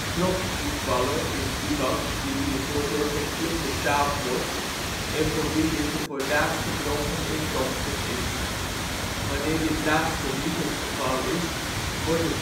profvoetballer is iemand, die hiervoor door zijn club betaald wordt, en voor wie dit de voornaamste bron van inkomsten is. Wanneer dit laatste niet het geval is, wordt de